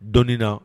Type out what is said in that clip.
Dɔɔnin na